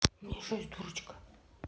мне шесть дурочка